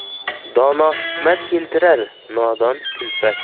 dono hikmat keltirar nodon kulfat